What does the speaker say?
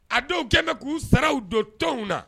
A dɔw kɛlen k'u sararaw don tɔnw na